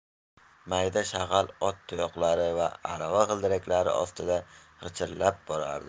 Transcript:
mayda shag'al ot tuyoqlari va arava g'iidiraklari ostida g'irchillab borardi